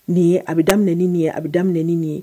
Nin ye a be daminɛ ni nin ye a be daminɛ ni nin ye